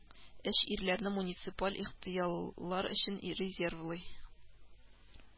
Өч ирләрне муниципаль ихтыяллар өчен резервлый